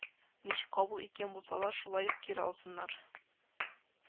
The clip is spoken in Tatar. Ничек кабул иткән булсалар, шулай ук кире алсыннар